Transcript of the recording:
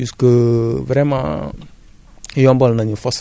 a mais ci côté boobu nag dañ ciy sant gouvernement bi